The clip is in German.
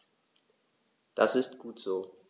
Das ist gut so.